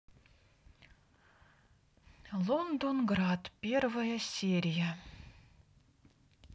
лондонград первая серия